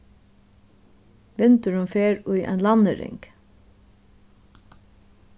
vindurin fer í ein landnyrðing